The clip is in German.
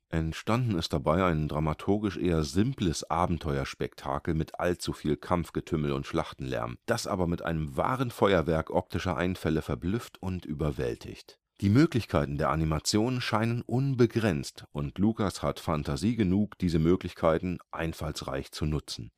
Entstanden ist dabei ein dramaturgisch eher simples Abenteuerspektakel mit allzu viel Kampfgetümmel und Schlachtenlärm, das aber mit einem wahren Feuerwerk optischer Einfälle verblüfft und überwältigt. […]; die Möglichkeiten der Animation scheinen unbegrenzt; und Lucas hat Phantasie genug, diese Möglichkeiten einfallsreich zu nutzen